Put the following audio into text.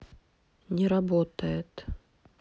не работает